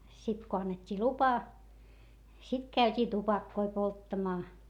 sitten kun annettiin lupa sitten käytiin tupakoita polttamaan